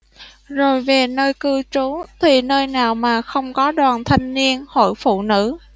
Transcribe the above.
rồi về nơi cư trú thì nơi nào mà không có đoàn thanh niên hội phụ nữ